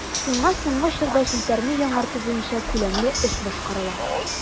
Шуңа соңгы чорда челтәрне яңарту буенча күләмле эш башкарыла.